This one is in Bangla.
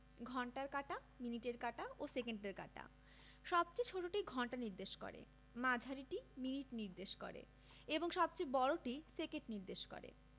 ঘণ্টার কাঁটা মিনিটের কাঁটা ও সেকেন্ডের কাঁটা সবচেয়ে ছোটটি ঘন্টা নির্দেশ করে মাঝারিটি মিনিট নির্দেশ করে এবং সবচেয়ে বড়টি সেকেন্ড নির্দেশ করে